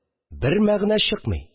Бер мәгънә чыкмый